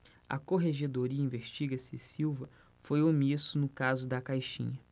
a corregedoria investiga se silva foi omisso no caso da caixinha